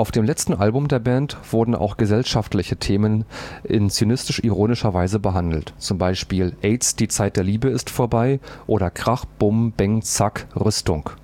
dem letzten Album der Band wurden auch gesellschaftliche Themen in zynisch-ironischer Weise behandelt (z. B. „ Aids – Die Zeit der Liebe ist vorbei “oder „ Krach bum bäng zack Rüstung